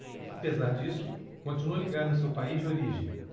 apesar disso continua ligado ao seu país de origem